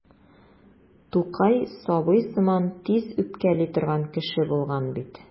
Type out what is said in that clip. Тукай сабый сыман тиз үпкәли торган кеше булган бит.